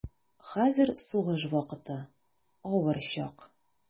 Хәзер сугыш вакыты, авыр чак.